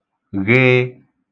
gh